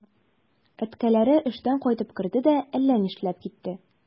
Әткәләре эштән кайтып керде дә әллә нишләп китте.